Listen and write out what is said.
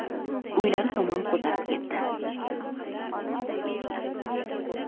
uylari tomon ko'tarib ketdi